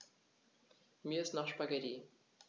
Mir ist nach Spaghetti.